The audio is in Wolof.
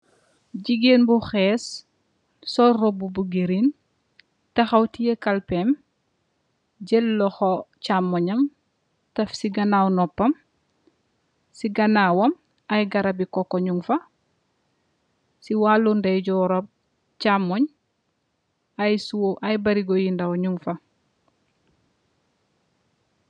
Gigain bu khess, sol rohbu bu green, takhaw tiyeh kalpehm, jeul lokhor chaamoh njam tef cii ganaw nohpam, ci ganawam aiiy garabi coco njung fa, cii waalou ndey njorram chaamongh aiiy siwoh aiiy barigo yu ndaw nung fa.